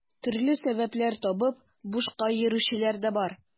Төрле сәбәпләр табып бушка йөрүчеләр дә бар.